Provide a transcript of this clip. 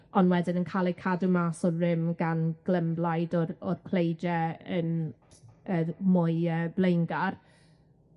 on' wedyn yn ca'l eu cadw mas o'r rym gan glymblaid o'r o'r pleidie yn yy mwy yy blaengar.